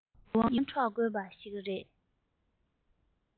ཡིད དབང འཕྲོག དགོས པ ཞིག རེད